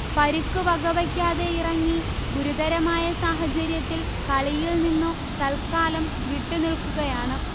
പരിക്കു വകവെക്കാതെയിറങ്ങി ഗുരുതരമായ സാഹചര്യത്തിൽ കളിയിൽ നിന്നു തൽക്കാലം വിട്ടുനില്ക്കുകയാണ്